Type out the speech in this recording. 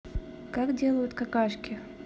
как делают какашки